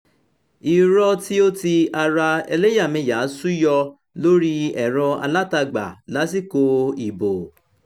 Irọ́ tí ó ti ara ẹlẹ́yàmẹyà sú yọ lórí ẹ̀rọ alátagbà lásìkò ìbò